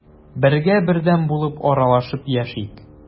Бергә, бердәм булып аралашып яшик.